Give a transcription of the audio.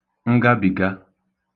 ngabìga